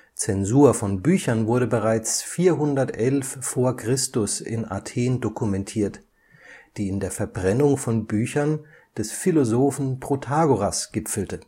Zensur von Büchern wurde bereits 411 v. Chr. in Athen dokumentiert, die in der Verbrennung von Büchern des Philosophen Protagoras gipfelte